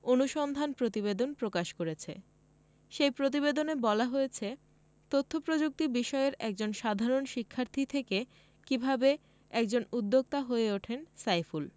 অনুসন্ধানী প্রতিবেদন প্রকাশ করেছে সেই প্রতিবেদনে বলা হয়েছে তথ্যপ্রযুক্তি বিষয়ের একজন সাধারণ শিক্ষার্থী থেকে কীভাবে একজন উদ্যোক্তা হয়ে ওঠেন সাইফুল